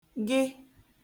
gị